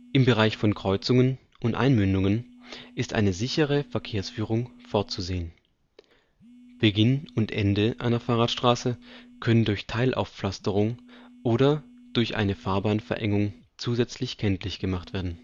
Im Bereich von Kreuzungen und Einmündungen ist eine sichere Verkehrsführung vorzusehen. Beginn und Ende einer Fahrradstraße können durch Teilaufpflasterung oder durch eine Fahrbahnverengung zusätzlich kenntlich gemacht werden